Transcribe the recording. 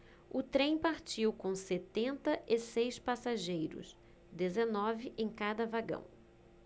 o trem partiu com setenta e seis passageiros dezenove em cada vagão